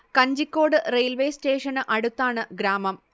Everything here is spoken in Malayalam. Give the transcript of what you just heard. കഞ്ചിക്കോട് റയിൽവേ സ്റ്റേഷന് അടുത്താണ് ഗ്രാമം